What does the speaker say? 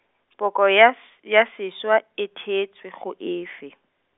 poko ya s-, ya seswa, e theetswe go efe?